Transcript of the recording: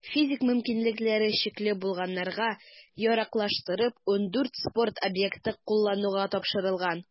Физик мөмкинлекләре чикле булганнарга яраклаштырып, 14 спорт объекты куллануга тапшырылган.